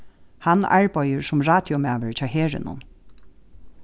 hann arbeiðir sum radiomaður hjá herinum